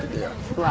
dëkk Dya